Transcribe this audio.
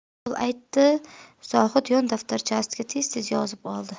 ayol aytdi zohid yondaftarchasiga tez tez yozib oldi